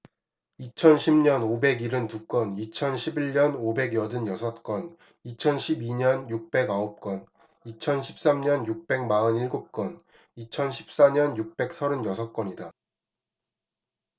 이천 십 년 오백 일흔 두 건 이천 십 일 년 오백 여든 여섯 건 이천 십 이 년 육백 아홉 건 이천 십 삼 년 육백 마흔 일곱 건 이천 십 사 년 육백 서른 여섯 건이다